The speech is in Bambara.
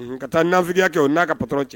Ka taa nafikiya kɛ o na ka patɔrɔn cɛ.